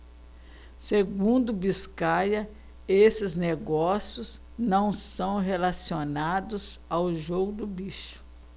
segundo biscaia esses negócios não são relacionados ao jogo do bicho